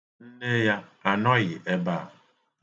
Nne ya anọghị ebe a.